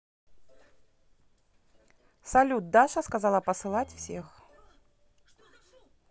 салют даша сказала посылать всех